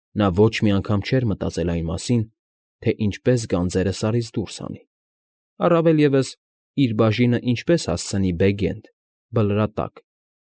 Նա ոչ մի անգամ չէր մտածել այն մասին, թե ինչպես գանձերը Սարից դուրս հանի, առավել ևս՝ իր բաժինը ինչպես հասցնի Բեգ֊Էնդ՝ Բլրատակ։